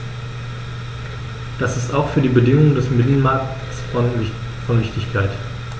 Das ist auch für die Bedingungen des Binnenmarktes von Wichtigkeit.